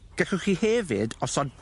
Gallwch chi hefyd osod